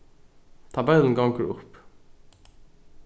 tabellin gongur upp